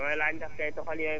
ah Pape Leye Bouchra Mbacké